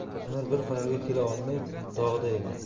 anvar bir qarorga kela olmay dog'da edi